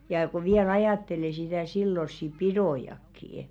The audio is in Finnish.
ja kun vielä ajattelee sitä silloisia pitojakin